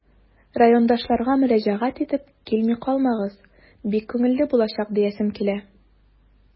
Райондашларга мөрәҗәгать итеп, килми калмагыз, бик күңелле булачак диясем килә.